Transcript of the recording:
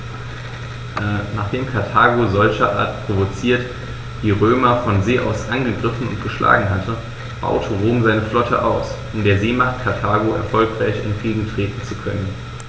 Nachdem Karthago, solcherart provoziert, die Römer von See aus angegriffen und geschlagen hatte, baute Rom seine Flotte aus, um der Seemacht Karthago erfolgreich entgegentreten zu können.